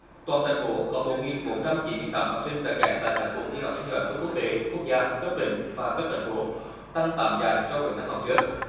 toàn thành phố có một nghìn bốn trăm chín mươi tám học sinh đạt giải tại các cuộc thi học sinh giỏi cấp quốc tế quốc gia cấp tỉnh và cấp thành phố tăng tám giải so với năm học trước